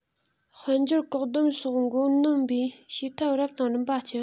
དཔལ འབྱོར བཀག སྡོམ སོགས མགོ གནོན པའི བྱེད ཐབས རབ དང རིམ པ སྤྱད